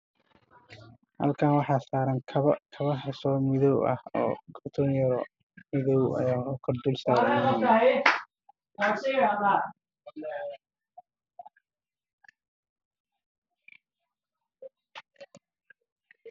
Halkan waxaa saaran kabo midow ah waana kaba dumar waxa ay saaran yihiin mutuuleen cadaan ah